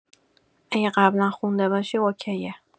اگه قبلا خونده باشی اوکیه